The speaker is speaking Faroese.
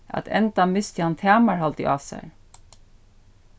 at enda misti hann tamarhaldið á sær